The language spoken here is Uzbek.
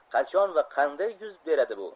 qachon va qanday yuz beradi bu